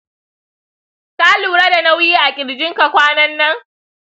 ka lura da nauyi a ƙirjinka kwanan nan?